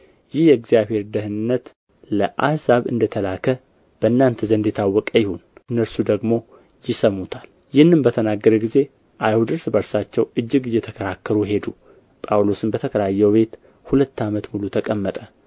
ይህ የእግዚአብሔር ደኅንነት ለአሕዛብ እንደ ተላከ በእናንተ ዘንድ የታወቀ ይሁን እነርሱ ደግሞ ይሰሙታል ይህንም በተናገረ ጊዜ አይሁድ እርስ በርሳቸው እጅግ እየተከራከሩ ሄዱ ጳውሎስም በተከራየው ቤት ሁለት ዓመት ሙሉ ተቀመጠ